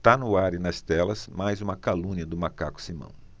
tá no ar e nas telas mais uma calúnia do macaco simão